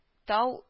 Тау